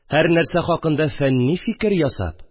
Һәрнәрсә хакында фәнни фикер ясап